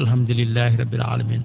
alhamdulillahi rabil alamina